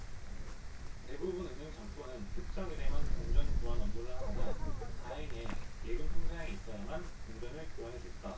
대부분 은행 점포는 특정일에만 동전 교환 업무를 하거나 자행의 예금통장이 있어야만 동전을 교환해줬다